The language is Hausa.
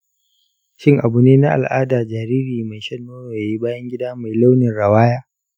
shin abu ne na al'ada jariri mai shan nono ya yi bayan gida mai launin rawaya?